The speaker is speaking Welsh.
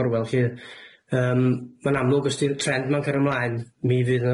gorwel 'lly yym ma'n amlwg os 'di'r trend 'ma'n cario mlaen mi fydd